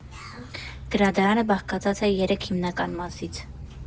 Գրադարանը բաղկացած է երեք հիմնական մասից.